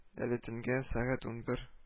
Әле төнгә сәгать унбер